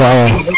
wawaw